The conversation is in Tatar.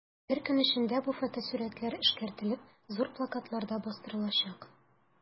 Бер көн эчендә бу фотосурәтләр эшкәртелеп, зур плакатларда бастырылачак.